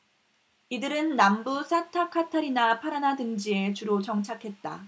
이들은 남부 산타카타리나 파라나 등지에 주로 정착했다